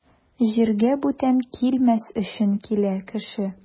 Җиргә бүтән килмәс өчен килә кеше.